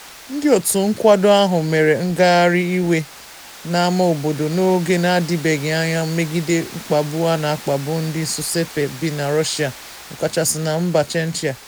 Ndị òtù nkwado ahụ mere ngagharị iwe n'ámá obodo n'oge n'adịbeghị anya megide mkpagbu a na-akpagbu ndị susupe bi na Russịa, ọkachasị na mba Chechnya